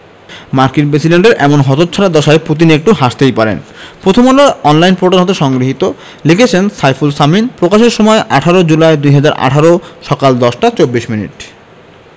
মার্কিন প্রেসিডেন্টের এমন হতচ্ছাড়া দশায় পুতিন একটু হাসতেই পারেন প্রথম আলোর অনলাইন পোর্টাল হতে সংগৃহীত লিখেছেন সাইফুল সামিন প্রকাশের সময় ১৮ জুলাই ২০১৮ সকাল ১০টা ২৪ মিনিট